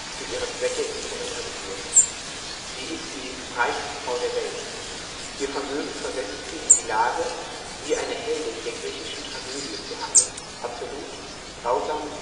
für ihre Zwecke instrumentalisiert. Sie ist die „ reichste [...] Frau der Welt “. Ihr Vermögen versetzt sie in die Lage, „ wie eine Heldin der griechischen Tragödie zu handeln, absolut, grausam